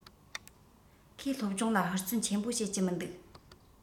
ཁོས སློབ སྦྱོང ལ ཧུར བརྩོན ཆེན པོ བྱེད ཀྱི མི འདུག